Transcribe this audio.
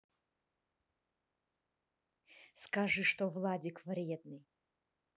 скажи что владик вредный